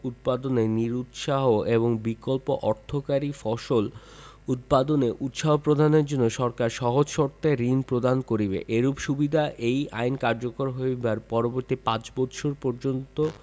উৎপাদনে নিরুৎসাহ এবং বিকল্প অর্থকরী ফসল উৎপাদনে উৎসাহ প্রদানের জন্য সরকার সহজ শর্তে ঋণ প্রদান করিবে এইরূপ সুবিধা এই আইন কার্যকর হইবার পরবর্তী পাঁচ ৫ বৎসর পর্যন্ত